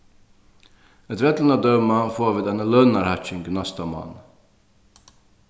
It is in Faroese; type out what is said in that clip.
eftir øllum at døma fáa vit eina lønarhækking í næsta mánað